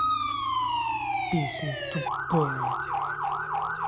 песня тупая